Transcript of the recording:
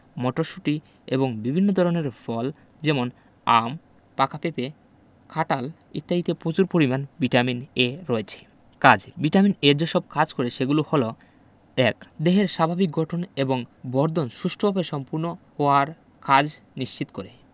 মটরশুঁটি এবং বিভিন্ন ধরনের ফল যেমন আম পাকা পেঁপে কাঁঠাল ইত্যাদিতে প্রচুর পরিমানে ভিটামিন A রয়েছে কাজ ভিটামিন A যেসব কাজ করে সেগুলো হলো ১ দেহের স্বাভাবিক গঠন এবং বর্ধন সুষ্ঠুভাবে সম্পন্ন হওয়ার কাজ নিশ্চিত করে